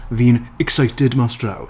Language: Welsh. Fi'n excited mas draw.